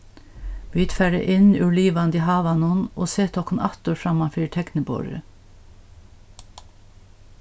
vit fara inn úr livandi havanum og seta okkum aftur framman fyri tekniborðið